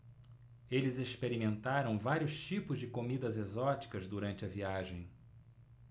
eles experimentaram vários tipos de comidas exóticas durante a viagem